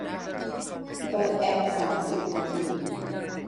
เปิดแอร์สามสิบนาที